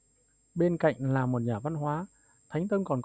bên cạnh là một nhà văn hóa thánh tông còn